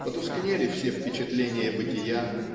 потускнели все впечатления бытия